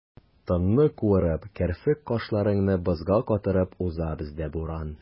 Тынны куырып, керфек-кашларыңны бозга катырып уза бездә буран.